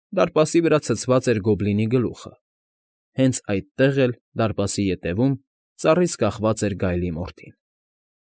Դարպասի վրա ցցված էր գոբլինի գլուխը, հենց այդտեղ էլ, դարպասի ետևոմ, ծառից կախված էր գայլի մորթին։